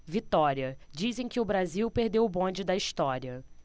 vitória dizem que o brasil perdeu o bonde da história